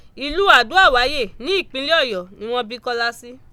Ìlú Àdó àwáyè ní ìpínlẹ̀ Ọ̀yọ́ ní wọ́n bí Kọ́lá sí.